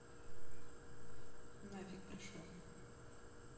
нафиг прошло